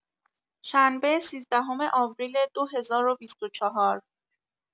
شنبه سیزدهم آوریل دو هزار و بیست و چهار